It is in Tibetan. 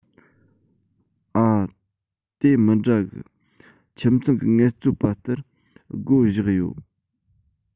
ཨ དེ མི འདྲ གི ཁྱིམ ཚང གི ངལ རྩོལ པ ལྟར སྒོ བཞག ཡོད